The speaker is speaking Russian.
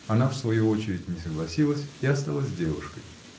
Она, в свою очередь, не согласилась и осталась девушкой.